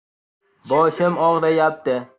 boshim og'riyapti